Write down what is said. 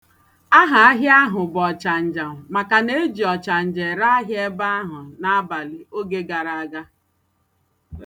Aha ahịa ahụ bụ ọchanja maka a na-eji ọchanja ere ahịa ebe ahụ, n'abalị, oge gara aga.